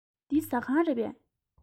འདི ཟ ཁང རེད པས